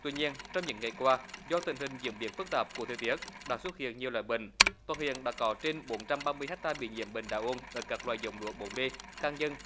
tuy nhiên trong những ngày qua do tình hình diễn biến phức tạp của thời tiết đã xuất hiện nhiều lời bình thuộc huyện đã có trên bốn trăm ba mươi héc ta bị nhiễm bệnh đạo ôn ở các loại dụng được bốn bê khang dân